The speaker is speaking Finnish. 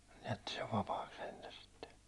jätti sen vapaaksi sentään sitten